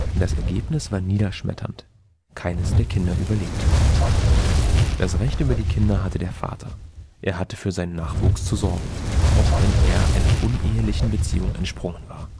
Das Ergebnis war niederschmetternd: Keines der Kinder überlebte. Das Recht über die Kinder hatte der Vater. Er hatte für seinen Nachwuchs zu sorgen, auch wenn er einer unehelichen Beziehung entsprungen war